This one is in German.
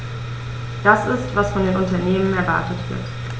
Das ist, was von den Unternehmen erwartet wird.